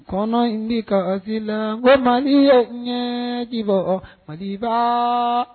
Kɔnɔ in ni kai la ko ma ye ɲɛ dibɔ mali fa